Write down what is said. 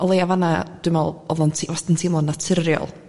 o leia fan 'na dwi me'l oddo'n te- wastad yn teimlo'n naturiol